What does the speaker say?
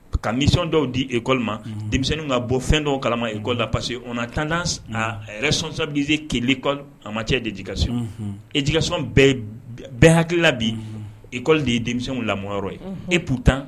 Ka mission dɔw di école ma denmisɛnnin ka bɔ fɛn dɔw kalama école la parce que on a tendance à responsabiliser que l'école en matière d'éducation, éducation na bɛɛ hakili la bi denmisɛnw école de ye denmisɛnw lamɔyɔrɔ ye et pourtant